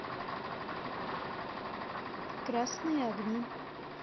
красные огни